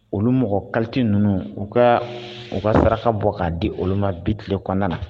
Olu mɔgɔ kati ninnu u ka u ka saraka bɔ k'a di olu ma biti kɔnɔna na